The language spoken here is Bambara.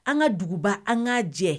An ka duguba an k' jɛ